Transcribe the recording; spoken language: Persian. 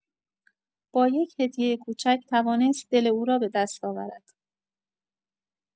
با یک هدیه کوچک، توانست دل او را به دست آورد.